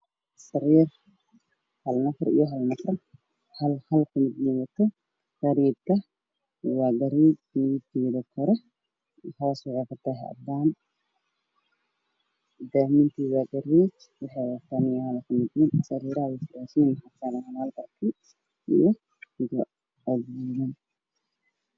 Sariir hal nafar ah hal barkin wadato kor waa garee hoosna cadaan. Daahman waa garee waxay leedahay muraayad sariiraha way firaashan yihiin.